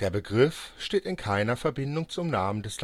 Begriff steht in keiner Verbindung zum Namen des